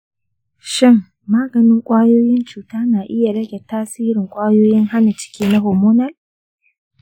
shin maganin ƙwayoyin cuta na iya rage tasirin kwayoyin hana ciki na hormonal?